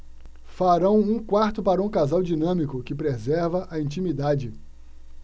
farão um quarto para um casal dinâmico que preserva a intimidade